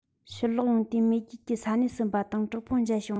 ཕྱིར ལོག ཡོང དུས མེས རྒྱལ གྱི ས སྣེ ཟིན པ དང གྲོགས པོ མཇལ བྱུང